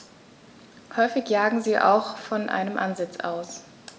Häufig jagen sie auch von einem Ansitz aus.